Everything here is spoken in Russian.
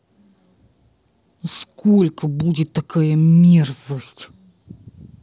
сколько будет такая мерзость